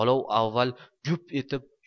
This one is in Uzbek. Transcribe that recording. olov avval gup etib